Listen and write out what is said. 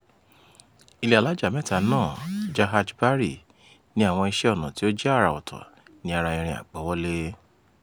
Ilé alájà-mẹ́ta náà “Jahaj Bari” ní àwọn iṣẹ́ ọnà tí ó jẹ́ àrà ọ̀tọ̀ ní ara irin àgbọ́wọ́lé.